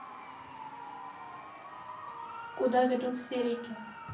куда ведут все реки